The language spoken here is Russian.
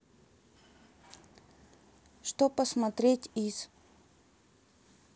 что посмотреть из